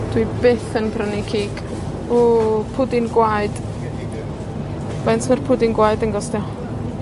Dw i byth yn prynu cig...O pwdin gwaed. Faint ma'r pwdin gwaed yn gostio?